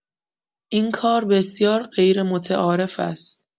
این کار بسیار غیرمتعارف هست.